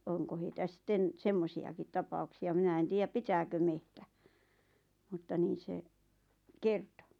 onko heitä sitten semmoisiakin tapauksia minä en tiedä pitääkö metsä mutta niin se kertoi